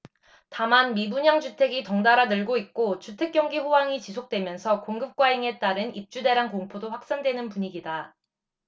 다만 미분양 주택이 덩달아 늘고 있고 주택경기 호황이 지속되면서 공급과잉에 따른 입주대란 공포도 확산되는 분위기다